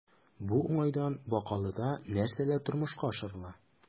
Бу уңайдан Бакалыда нәрсәләр тормышка ашырыла?